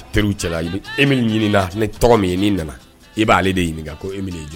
Ne nana i b'ale de ɲini